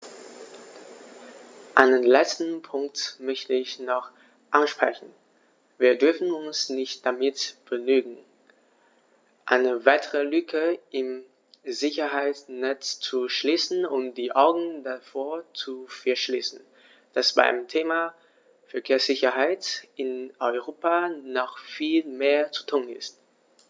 Einen letzten Punkt möchte ich noch ansprechen: Wir dürfen uns nicht damit begnügen, eine weitere Lücke im Sicherheitsnetz zu schließen und die Augen davor zu verschließen, dass beim Thema Verkehrssicherheit in Europa noch viel mehr zu tun ist.